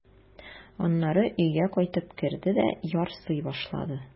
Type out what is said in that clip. Аннары өйгә кайтып керде дә ярсый башлады.